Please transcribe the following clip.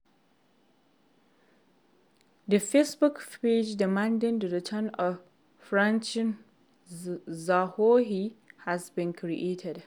A Facebook page demanding the return of François Zahoui has been created.